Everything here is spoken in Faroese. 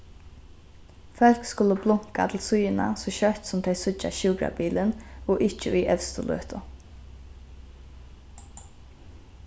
fólk skulu blunka til síðuna so skjótt sum tey síggja sjúkrabilin og ikki í evstu løtu